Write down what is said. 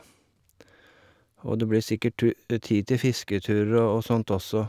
Og det blir sikkert tu tid til fisketurer å og sånt også.